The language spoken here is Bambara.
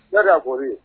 Yala'aɔrɔri ye